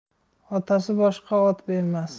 otasi boshqa ot bermas